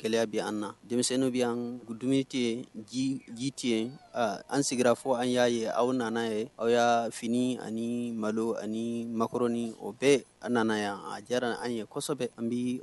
Gɛlɛya bɛ an na denmisɛnninw bi yan dumuni te ye ji ji tI yen aa an sigira fo an y'a ye aw nana ye aw yaa finii anii malo anii macaroni o bɛɛ a nana yan a diyara an ye kɔsɛbɛ an bi